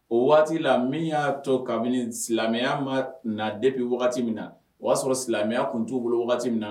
O waati la min ya to kabini silamɛya ma na debi wagati min na o ya sɔrɔ silamɛya tun tu bolo wagati min na